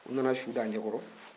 u nana su da a ɲɛ kɔrɔ